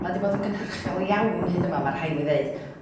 ma' 'di bod yn gynhyrchiol iawn hyd yma ma' rhai' mi ddeud